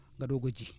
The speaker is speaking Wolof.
nga doog a ji